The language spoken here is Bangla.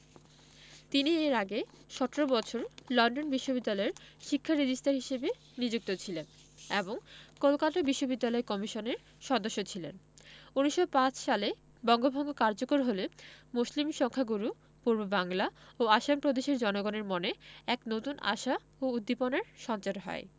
তিনি এর আগে ১৭ বছর লন্ডন বিশ্ববিদ্যালয়ের শিক্ষা রেজিস্টার হিসেবে নিযুক্ত ছিলেন এবং কলকাতা বিশ্ববিদ্যালয় কমিশনের সদস্য ছিলেন ১৯০৫ সালে বঙ্গভঙ্গ কার্যকর হলে মুসলিম সংখ্যাগুরু পূর্ববাংলা ও আসাম প্রদেশের জনগণের মনে এক নতুন আশা ও উদ্দীপনার সঞ্চার হয়